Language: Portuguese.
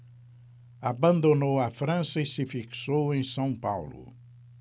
abandonou a frança e se fixou em são paulo